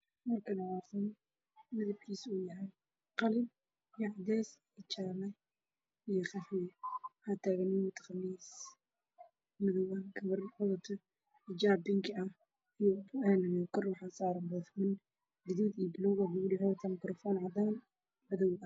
Waa gabar waxa ay qabteen xijaab iyo cabaayad midabkiisu yahay binkii waxa ay haysaa makarafoon madow ah wayna qudbaynaysaa